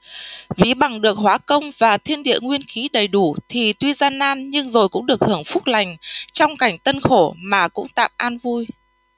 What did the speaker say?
ví bằng được hóa công và thiên địa nguyên khí đầy đủ thì tuy gian nan nhưng rồi cũng được hưởng phúc lành trong cảnh tân khổ mà cũng tạm an vui